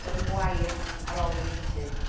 yn y gwair ar ôl iddi dwllu